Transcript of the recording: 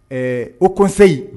Ɛɛ o koseyi